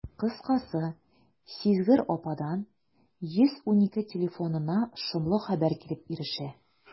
Кыскасы, сизгер ападан «112» телефонына шомлы хәбәр килеп ирешә.